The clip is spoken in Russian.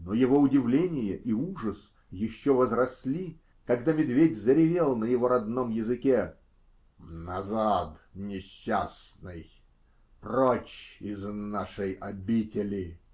Но его удивление и ужас еще возросли, когда медведь заревел на его родном языке: -- Назад, несчастный! Прочь из нашей обители!